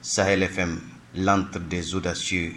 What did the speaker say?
Sayfɛ lanturdzodasi ye